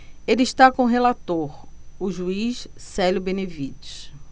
ele está com o relator o juiz célio benevides